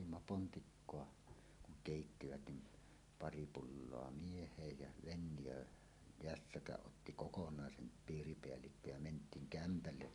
otimme pontikkaa kun keittivät niin pari pulloa mieheen ja Fennia jässäkän otti kokonaisen piiripäällikkö ja mentiin kämpälle